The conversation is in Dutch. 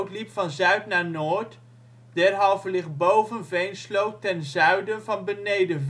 liep van zuid naar noord, derhalve ligt Boven Veensloot ten zuiden van Beneden